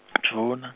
-dvuna.